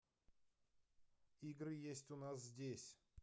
игры есть у нас здесь